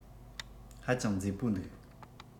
ཧ ཅང མཛེས པོ འདུག